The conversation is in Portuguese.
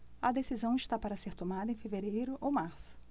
a decisão está para ser tomada em fevereiro ou março